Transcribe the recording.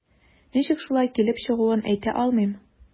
Ничек шулай килеп чыгуын әйтә алмыйм.